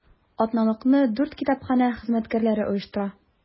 Атналыкны дүрт китапханә хезмәткәрләре оештыра.